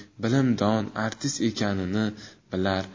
bilimdon artist ekanini bilar